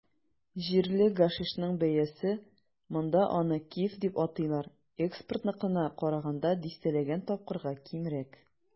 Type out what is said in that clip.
Җирле гашишның бәясе - монда аны "киф" дип атыйлар - экспортныкына караганда дистәләгән тапкырга кимрәк.